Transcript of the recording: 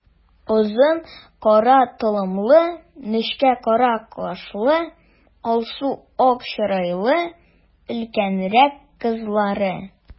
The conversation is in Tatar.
Озын кара толымлы, нечкә кара кашлы, алсу-ак чырайлы өлкәнрәк кызлары.